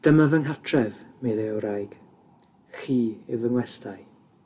Dyma fy nghartref medde y wraig chi yw fy ngwestai.